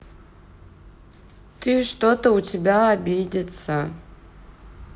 ты что то у тебя обидется